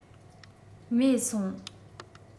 མེད སོང